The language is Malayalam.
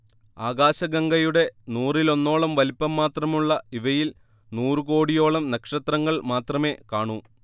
ആകാശഗംഗയുടെ നൂറിലൊന്നോളം വലിപ്പം മാത്രമുള്ള ഇവയിൽ നൂറുകോടിയോളം നക്ഷത്രങ്ങൾ മാത്രമേ കാണൂ